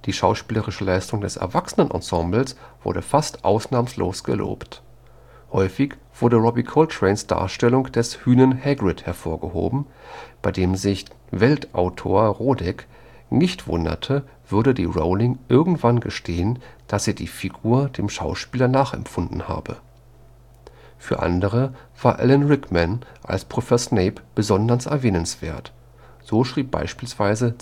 schauspielerische Leistung des erwachsenen Ensembles wurde fast ausnahmslos gelobt. Häufig wurde Robbie Coltranes Darstellung des Hünen Hagrid hervorgehoben, bei dem sich Welt-Autor Rodek „ nicht wunderte, würde die Rowling irgendwann gestehen, dass sie die Figur dem Schauspieler nachempfunden habe. “Für andere war Alan Rickman als Professor Snape besonders erwähnenswert; so schrieb beispielsweise